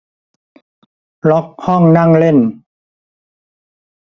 ล็อกห้องนั่งเล่น